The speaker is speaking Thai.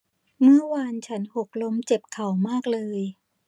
เมื่อวานฉันหกล้มเจ็บเข่ามากเลย